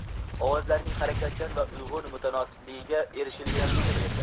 ovozlarning harakatchan va uyg'un mutanosibligiga erishilganligi bilindi